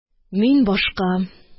Мин башка